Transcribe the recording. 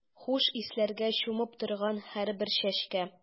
Хуш исләргә чумып торган һәрбер чәчкә.